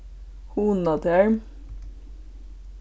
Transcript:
hugna tær